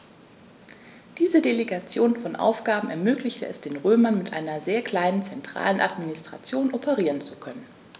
Diese Delegation von Aufgaben ermöglichte es den Römern, mit einer sehr kleinen zentralen Administration operieren zu können.